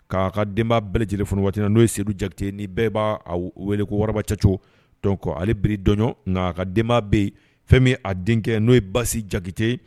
K'a ka denba bɛɛ lajɛlenele f waati n' ye sendu jakite ni bɛɛ b'a wele ko wararabacɛcogo kɔ ale bi dɔnɲɔ nka a ka denba bɛ yen fɛn min aa denkɛ n'o ye basi jakite